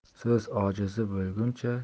so'z ojizi bo'lguncha